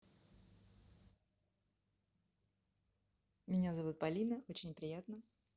меня зовут полина очень приятно